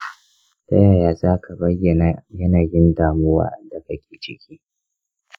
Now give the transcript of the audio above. ta yaya zaka bayyana yanayin damuwa da kake ciki?